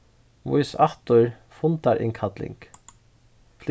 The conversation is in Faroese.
vís aftur fundarinnkalling